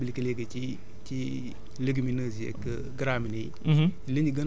parce que comme ni ma doon expliqué léegi ci ci légumineuses yeeg graminés yi